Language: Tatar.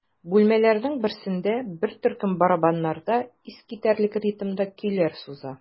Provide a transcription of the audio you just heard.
Бүлмәләрнең берсендә бер төркем барабаннарда искитәрлек ритмда көйләр суза.